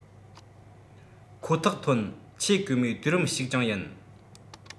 ཁོ ཐག ཐོན ཆེ གེ མོས དུས རིམ ཞིག ཀྱང ཡིན